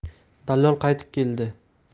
dallol qaytib keldi